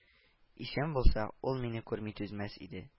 — исән булса, ул мине күрми түзмәс иде